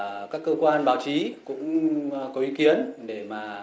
các cơ quan báo chí cũng có ý kiến để mà